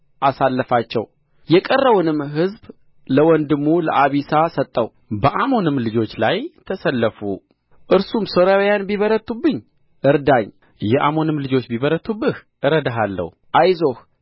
አሰለፋቸው የቀረውንም ሕዝብ ለወንድሙ ለአቢሳ ሰጠው በአሞንም ልጆች ላይ ተሰለፉ እርሱም ሶርያውያን ቢበረቱብኝ እርዳኝ የአሞንም ልጆች ቢበረቱብህ እረዳሃለሁ አይዞህ